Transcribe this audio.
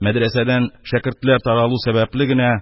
Мәдрәсәдән шәкертләр таралу сәбәпле генә